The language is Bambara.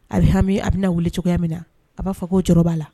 A bɛ hami a bɛ na wele cogoya min na a b'a fɔ ko jɔyɔrɔ b'a la